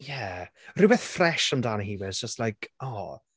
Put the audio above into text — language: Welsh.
Ie. Rhywbeth fresh amdani hi 'fyd. It's just like, "aww".